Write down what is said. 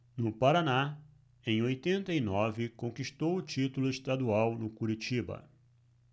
no paraná em oitenta e nove conquistou o título estadual no curitiba